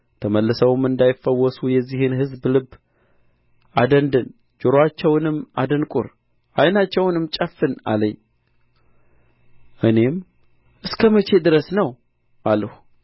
ተመልሰውም እንዳይፈወሱ የዚህን ሕዝብ ልብ አደንድን ጆሮአቸውንም አደንቍር ዓይናቸውንም ጨፍን አለኝ እኔም ጌታ ሆይ እስከ መቼ ድረስ ነው አልሁ